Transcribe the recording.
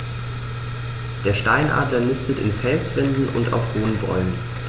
Der Steinadler nistet in Felswänden und auf hohen Bäumen.